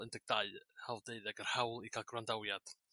un deg dau hawl deuddeg yr hawl i ga'l gwrandawiad.